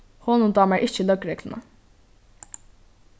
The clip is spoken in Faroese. honum dámar ikki løgregluna